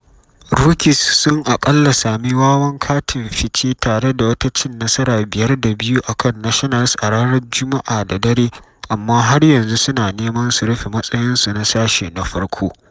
Rockies sun aƙalla sami wawan katin fice tare da wata cin nasara 5 da 2 a kan Nationals a ranar Juma’a da dare, amma har yanzu suna neman su rufe matsayinsu na sashe na farko.